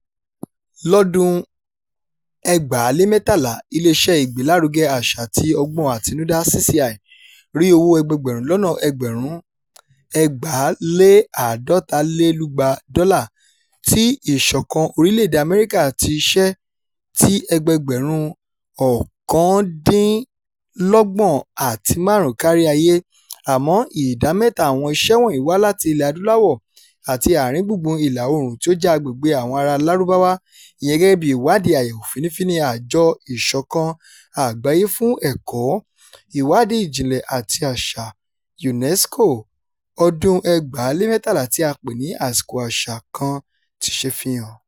Lọ́dún-un 2013, iléeṣẹ́ ìgbélárugẹ àṣà àti ọgbọ́n àtinudá (CCI) rí owó ẹgbẹẹgbẹ̀rún-lọ́nà-ẹgbẹ̀rún 2,250 dollar ti Ìṣọ̀kan Orílẹ̀-èdèe Amẹ́ríkà àti iṣẹ́ tí ẹgbẹẹgbẹ̀rún 29.5 kárí ayé [àmọ́] ìdá 3 àwọn iṣẹ́ wọ̀nyí wá láti Ilẹ̀-Adúláwọ̀ àti Àárín gbùngbùn Ìlà-Oòrùn tí ó jẹ́ agbègbè àwọn aráa Lárúbáwá, ìyẹn gẹ́gẹ́ bí ìwádìí àyẹ̀wò fínnífínní Àjọ Ìṣọ̀kan Àgbáyé fún Ẹ̀kọ́, Ìwádìí Ìjìnlẹ̀ àti Àṣà (UNESCO) ọdún-un 2013 tí a pè ní “Àsìkò Àṣà” kan ti ṣe fi hàn.